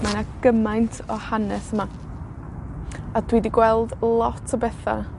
Mae 'na gymaint o hanes yma. A dwi 'di gweld lot o betha